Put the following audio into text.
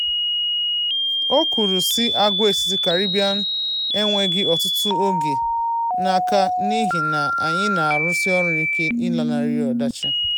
O kwuru, sị, "Agwaetiti Caribbean enweghị ọtụtụ oge n'aka n'ihi na [anyị] na-arụsi ọrụ ike ịlanarị ọdachi.